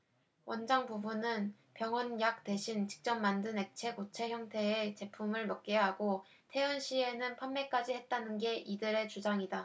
원장 부부는 병원 약 대신 직접 만든 액체 고체 형태의 제품을 먹게 하고 퇴원 시에는 판매까지 했다는 게 이들의 주장이다